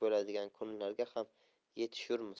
bo'ladigan kunlarga ham yetishurmiz